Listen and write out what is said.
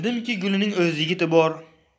bildimki gulining o'z yigiti bor